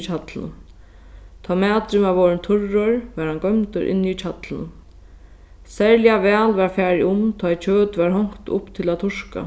hjallinum tá maturin var vorðin turrur varð hann goymdur inni í hjallinum serliga væl varð farið um tá ið kjøt varð hongt upp til at turka